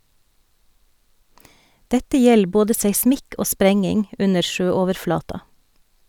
Dette gjeld både seismikk og sprenging under sjøoverflata.